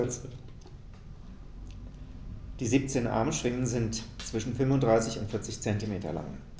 Die 17 Armschwingen sind zwischen 35 und 40 cm lang.